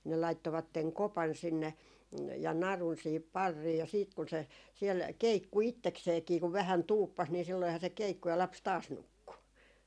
ne laittoivat kopan sinne ja narun siihen parriin ja sitten kun se siellä keikkui itsekseenkin kun vähän tuuppasi niin silloinhan se keikkui ja lapsi taas nukkui